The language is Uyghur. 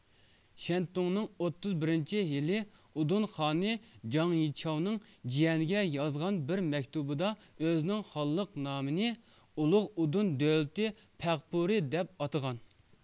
شيەنتۇڭنىڭ ئوتتۇز بىرىنچى يىلى ئۇدۇن خانى جاڭ يىچاۋنىڭ جىيەنىگە يازغان بىر مەكتۇبىدا ئۆزىنىڭ خانلىق نامىنى ئۇلۇغ ئۇدۇن دۆلىتى پەغپۇرى دەپ ئاتىغان